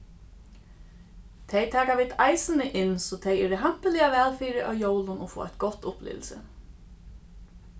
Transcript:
tey taka vit eisini inn so tey eru hampiliga væl fyri á jólum og fáa eitt gott upplivilsi